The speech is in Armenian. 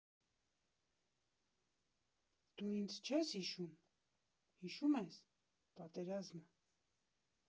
Դու ինձ չե՞ս հիշում, հիշու՞մ ես, պատերազմը…